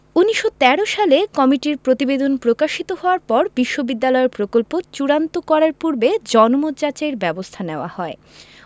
১৯১৩ সালে কমিটির প্রতিবেদন প্রকাশিত হওয়ার পর বিশ্ববিদ্যালয়ের প্রকল্প চূড়ান্ত করার পূর্বে জনমত যাচাইয়ের ব্যবস্থা নেওয়া হয়